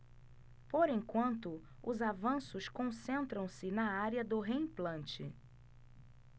por enquanto os avanços concentram-se na área do reimplante